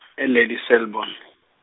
e- Lady Selborne.